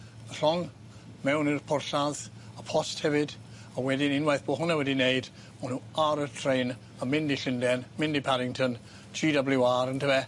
y llong mewn i'r porthlladd a post hefyd a wedyn unwaith bo' hwnne wedi neud o'n n'w ar y trên a mynd i Llunden mynd i Paddington Gee Double you Are yntyfe?